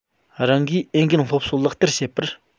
རང གིས འོས འགན སློབ གསོ ལག བསྟར བྱེད པར